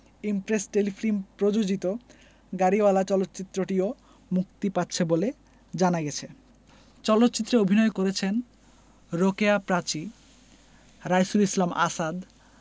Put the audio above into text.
Impress Telefilm প্রযোজিত গাড়িওয়ালা চলচ্চিত্রটিও মুক্তি পাচ্ছে বলে জানা গেছে চলচ্চিত্রে অভিনয় করেছেন রোকেয়া প্রাচী রাইসুল ইসলাম আসাদ